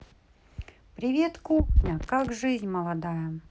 привет кухня как жизнь молодая